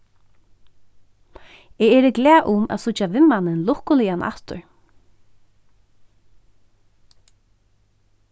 eg eri glað um at síggja vinmannin lukkuligan aftur